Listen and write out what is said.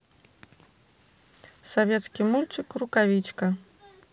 советский мультик рукавичка